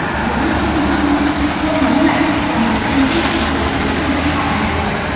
giống mèo xiêm mắt xanh lông ngắn này là một trong những loài hòa đồng nhất trong dòng họ nhà mèo